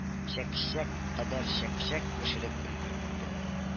Чәкчәк кадәр чәкчәк пешереп өлгеркән